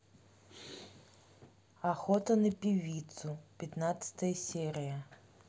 охота на певицу пятнадцатая серия